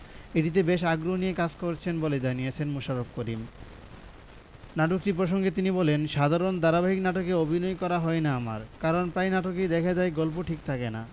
এটিতে বেশ আগ্রহ নিয়ে কাজ করছেন বলে জানিয়েছেন মোশাররফ করিম নাটকটি প্রসঙ্গে তিনি বলেন সাধারণত ধারাবাহিক নাটকে অভিনয় করা হয় না আমার কারণ প্রায় নাটকেই দেখা যায় গল্প ঠিক থাকে না